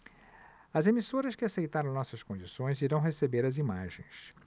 as emissoras que aceitaram nossas condições irão receber as imagens